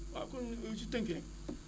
waaw kon si tënk rek